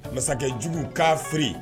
Masakɛjugu, kaafiri